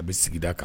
A bɛ sigida kan